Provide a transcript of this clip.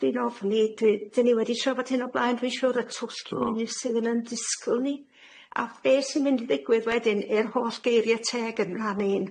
dwi'n ofni dwi- dyn ni wedi trafod hyn o blaen dwi'n siŵr y twll cymysg sydd fydd yn ddisgwl ni a be' sy'n mynd i ddigwydd wedyn i'r holl geirie teg yn ran un.